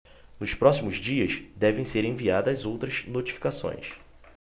nos próximos dias devem ser enviadas as outras notificações